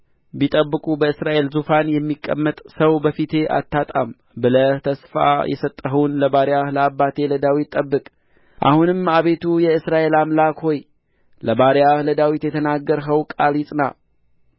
ቢጠብቁ በእስራኤል ዙፋን የሚቀመጥ ሰው በፊቴ አታጣም ብለህ ተስፋ የሰጠኸውን ለባሪያህ ለአባቴ ለዳዊት ጠብቅ አሁንም አቤቱ የእስራኤል አምላክ ሆይ ለባሪያህ ለዳዊት የተናገረኸው ቃል ይጽና